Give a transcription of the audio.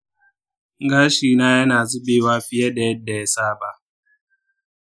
gashina yana zubewa fiye da yadda ya saba.